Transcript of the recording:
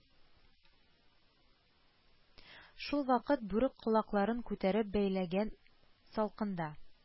Шул вакыт бүрек колакларын күтәреп бәйләгән, салкында